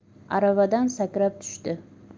aravadan sakrab tushdi